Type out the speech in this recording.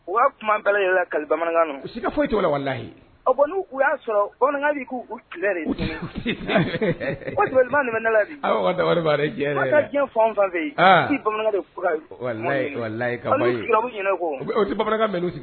U' kuma bɛɛ la ka bamanankan u si foyi cogo la walayi'u' y'a sɔrɔkan k' u de bɛ ne ka diɲɛ fan fɛ bamanan bamanan